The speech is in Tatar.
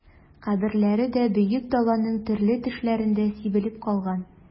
Каберләре дә Бөек Даланың төрле төшләрендә сибелеп калган...